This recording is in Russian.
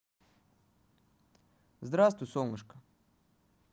здравствуй солнышко